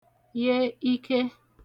ye ike